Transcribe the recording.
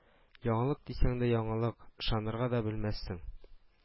Яңалык дисәң дә яңалык. Ышанырга да белмәссең